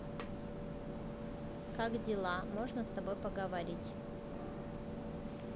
как дела можно с тобой поговорить